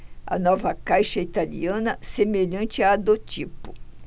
a nova caixa é italiana semelhante à do tipo